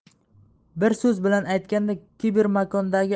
bir so'z bilan aytganda kibermakondagi